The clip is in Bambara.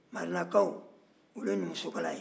marenakaw olu ye numusokala ye